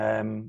yym